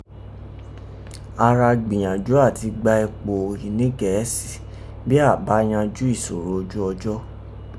A ra gbàyànjú áti ja ipò òhì ni Gẹ̀ẹ́sì, bí áà bá yanjú ìsòro ojú ọjọ́.